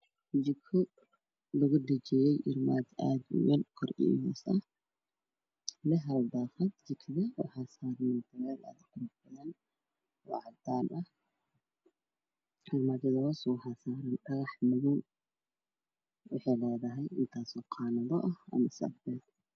Waxa ay muuqdaa jiko leh qaanadooyin guduudana geesaha waxa saaran mutureel cad hoostana matureel dambas ah